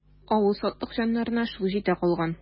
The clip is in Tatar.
Авыл сатлыкҗаннарына шул җитә калган.